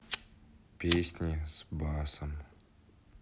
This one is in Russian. песни с басом